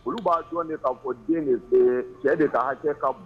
Olu b'a jɔ de ka bɔ den de cɛ de ka hakɛ